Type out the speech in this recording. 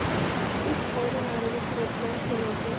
uch hovli narida turadigan kelinchak